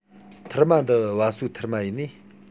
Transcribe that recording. ཐུར མ འདི བ སོའི ཐུར མ ཡིན ནིས